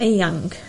eang